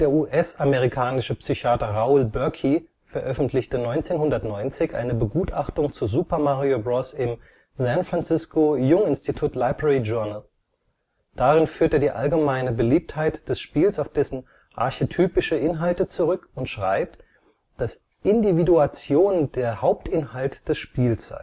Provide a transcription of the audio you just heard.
US-amerikanische Psychiater Raoul Berke veröffentlichte 1990 eine Begutachtung zu Super Mario Bros. im San Francisco Jung Institute Library Journal. Darin führt er die allgemeine Beliebtheit des Spiels auf dessen archetypische Inhalte zurück und schreibt, dass Individuation der Hauptinhalt des Spiels